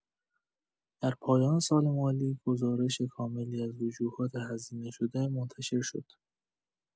در پایان سال مالی، گزارش کاملی از وجوهات هزینه‌شده منتشر شد.